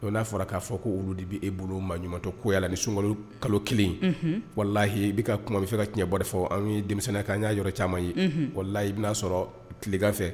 O n'a fɔra k'a fɔ ko olu de bɛ e bolo ma ɲumantɔ koya la ni sunka kalo kelen walahi i bɛ ka kuma bɛ fɛ ka cɛnɲɛ bɔ fɔ an ye denmisɛnya kan an y'a yɔrɔ caman ye walayi i bɛna'a sɔrɔ tilegan fɛ